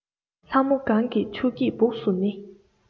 ལྷ མོ གང གི ཆུ སྐྱེས སྦུབས སུ ནི